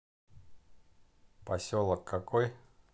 поселок какой